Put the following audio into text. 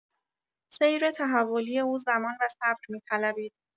سیر تحولی او زمان و صبر می‌طلبید.